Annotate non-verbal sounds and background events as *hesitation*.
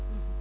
*hesitation* *hesitation*